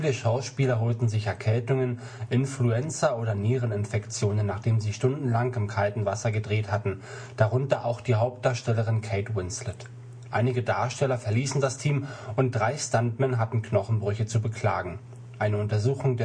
Schauspieler holten sich Erkältungen, Influenza oder Niereninfektionen, nachdem sie stundenlang im kalten Wasser gedreht hatten, darunter auch die Hauptdarstellerin Kate Winslet. Einige Darsteller verließen das Team und drei Stuntman hatten Knochenbrüche zu beklagen. Eine Untersuchung